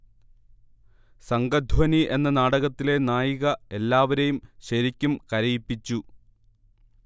സംഘധ്വനി എന്ന നാടകത്തിലെ നായിക എല്ലാവരെയും ശരിക്കും കരയിപ്പിച്ചു